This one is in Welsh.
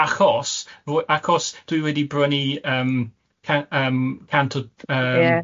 Achos rwy, acos dwi wedi brynu yym can- yym cant o yym... Ie.